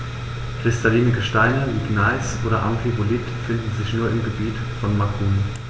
Kristalline Gesteine wie Gneis oder Amphibolit finden sich nur im Gebiet von Macun.